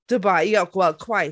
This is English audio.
Dubai, ye, well, quite!